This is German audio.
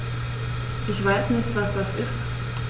Ich weiß nicht, was das ist.